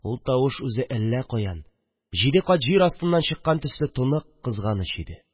Ул тавыш үзе әллә каян, җиде кат җир астыннан чыккан төсле тонык, кызганыч иде